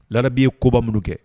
La'i ye koba minnu kɛ